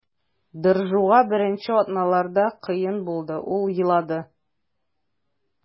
Доржуга беренче атналарда кыен булды, ул елады.